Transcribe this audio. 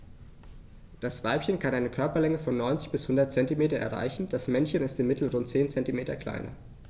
Das Weibchen kann eine Körperlänge von 90-100 cm erreichen; das Männchen ist im Mittel rund 10 cm kleiner.